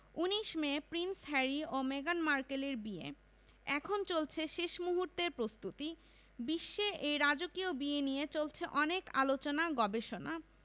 ১৯ May prince Harry ও মেগান মার্কেলের বিয়ে এখন চলছে শেষ মুহূর্তের প্রস্তুতি বিশ্বে এই রাজকীয় বিয়ে নিয়ে চলছে অনেক আলোচনা গবেষণা